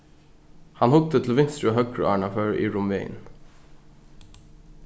hann hugdi til vinstru og høgru áðrenn hann fór yvir um vegin